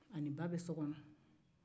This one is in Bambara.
ani ba bɛ so kɔnɔ